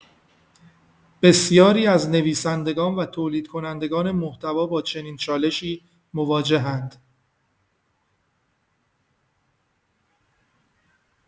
بسیاری از نویسندگان و تولیدکنندگان محتوا با چنین چالشی مواجه‌اند.